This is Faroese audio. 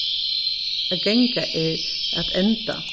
at ganga av er at enda